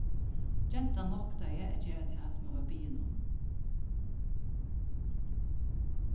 gentan noktaði at gera tað sum hon varð biðin um